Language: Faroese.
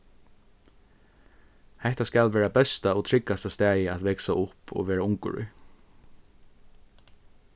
hetta skal vera besta og tryggasta staðið at vaksa upp og vera ungur í